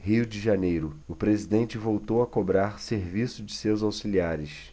rio de janeiro o presidente voltou a cobrar serviço de seus auxiliares